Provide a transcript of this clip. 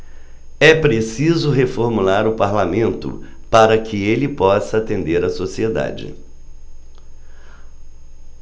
é preciso reformular o parlamento para que ele possa atender a sociedade